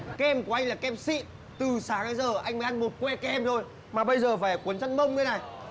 kem của anh là kem xịn từ sáng đến giờ anh mới ăn một que kem thôi mà bây giờ về quấn chăn bông đây này